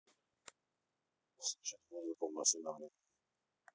слушать музыку машина времени